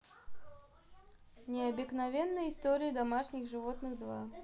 необыкновенные истории домашних животных два